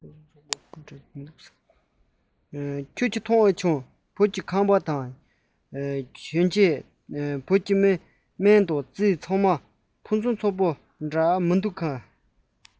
ཁྱེད རང གིས གཟིགས ཡོད འགྲོ བོད ཀྱི ཁང པ དང གྱོན ཆས བོད ཀྱི སྨན དང རྩིས ཚང མ ཕུན སུམ ཚོགས པོ འདྲས མི འདུག གས